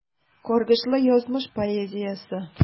Каргышлы язмыш поэзиясе.